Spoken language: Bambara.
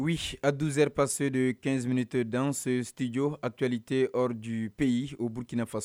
W adzep passe de kɛnysminɛ to dan stuj a tɔli tɛ ju pe ye u b buutfa